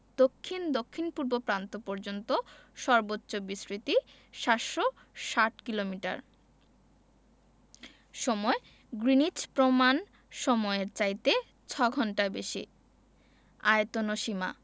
দক্ষিণ দক্ষিণপূর্ব প্রান্ত পর্যন্ত সর্বোচ্চ বিস্তৃতি ৭৬০ কিলোমিটার সময়ঃ গ্রীনিচ প্রমাণ সমইয়ের চাইতে ৬ ঘন্টা বেশি আয়তন ও সীমাঃ